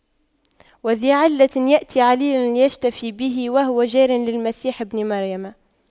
وذى علة يأتي عليلا ليشتفي به وهو جار للمسيح بن مريم